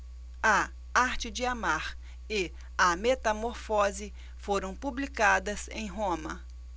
a arte de amar e a metamorfose foram publicadas em roma